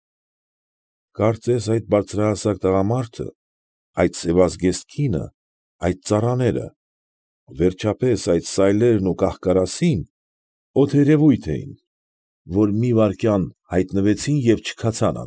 Կարծես այդ բարձրահասակ տղամարդը, այդ սևազգեստ կինը, այդ ծառաները, վերջապես այդ սայլերն ու կահ֊կարասին օդերևույթ էին, որ մի վայրկյան հայտնվեցին և չքացան։